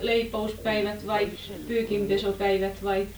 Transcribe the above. leipomuspäivät vai pyykinpesupäivät vai